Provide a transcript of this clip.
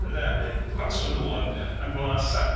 Ynde, nid gwelson nhw ond... ia. ...ond gwelasant.